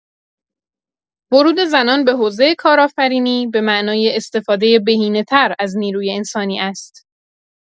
ورود زنان به حوزه کارآفرینی به معنای استفاده بهینه‌تر از نیروی انسانی است.